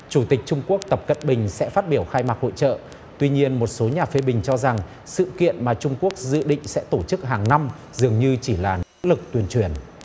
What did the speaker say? chủ tịch trung quốc tập cận bình sẽ phát biểu khai mạc hội chợ tuy nhiên một số nhà phê bình cho rằng sự kiện mà trung quốc dự định sẽ tổ chức hằng năm dường như chỉ là lực tuyên truyền